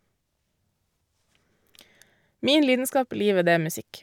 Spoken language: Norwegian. Min lidenskap i livet, det er musikk.